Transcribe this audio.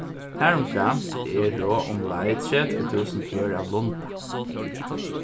harumframt eru umleið tretivu túsund pør av lunda